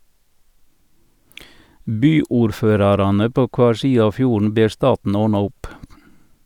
Byordførarane på kvar side av fjorden ber staten ordna opp.